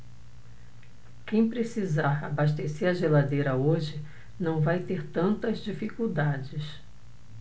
quem precisar abastecer a geladeira hoje não vai ter tantas dificuldades